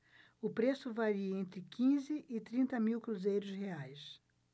o preço varia entre quinze e trinta mil cruzeiros reais